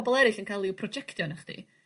...pobol eryll yn ca'l i'w projectio anoch chdi